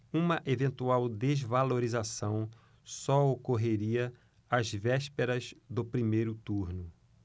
uma eventual desvalorização só ocorreria às vésperas do primeiro turno